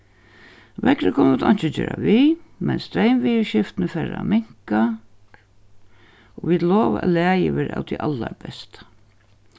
veðrið kunnu vit einki gera við men streymviðurskiftini fara at minka og vit lova at lagið verður av tí allarbesta